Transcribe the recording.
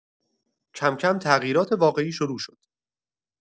کم‌کم تغییرات واقعی شروع شد.